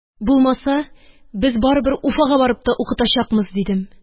Булмаса, без барыбер Уфага барып та укытачакмыз, – дидем.